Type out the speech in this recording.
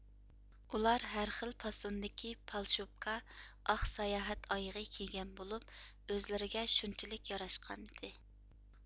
ئۇلار ھەر خىل پاسوندىكى پالشوپكا ئاق ساياھەت ئايىغى كىيگەن بولۇپ ئۆزىلىرىگە شۇنچىلىك ياراشقانىدى